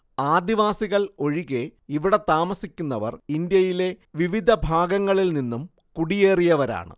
ആദിവാസികൾ ഒഴികെ ഇവിടെ താമസിക്കുന്നവർ ഇന്ത്യയിലെ വിവിധ ഭാഗങ്ങളില്‍ നിന്നും കുടിയേറിയവരാണ്